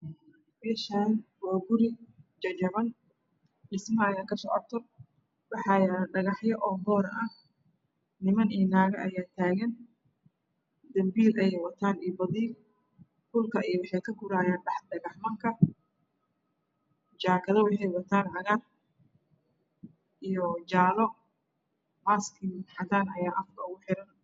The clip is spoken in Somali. Meshaan waa guri jajabandhismo ayaa ka socota waxaa yala dhagaxyo oo boor ah niman igo naago ayaa tagan dambiil ayeey wataan iyo badiil hoolka ayeey ka gurayaan dhagax mada jakado wexeey waataan cagar iyo jalo maski cadan ayaa afka ugu xiran